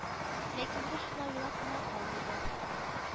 Ләкин без шулай уйлап кына калмыйбыз